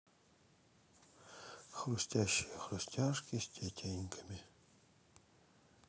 хрустящие хрустяшки с тетеньками